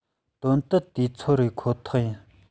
དོན དུ དུས ཚོད རེད ཁོ ཐག ཡིན